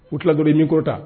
U tilakoro i niko ta